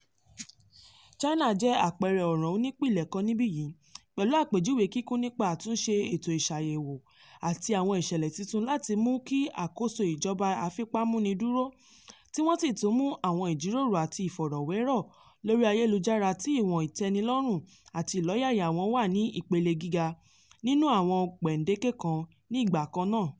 China jẹ́ àpẹẹrẹ ọ̀ràn onípìlẹ̀ kan níbí yìí, pẹ̀lú àpéjúwe kíkún nípa àtúnṣe ètò ìṣàyẹ̀wò àti àwọn ìṣẹ̀lẹ̀ tuntun láti mú àkóso ìjọba afipámúni dúró, tí wọn sì tún ń mú, "...àwọn ìjíròrò àti ìfọ̀rọ̀wérọ lórí ayélujára tí ìwọ̀n ìtẹ́nilọ́rùn àti ìlọ́yàyà wọn wà ní ìpele gíga, nínú àwọn gbèǹdéke kan." ní ìgbà kan náà.